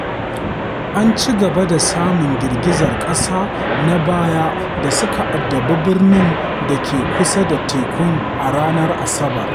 An ci gaba da samun girgizar ƙasa na baya da suka addabi birnin da ke kusa da tekun a ranar Asabar.